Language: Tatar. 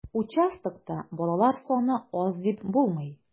Участокта балалар саны аз дип булмый.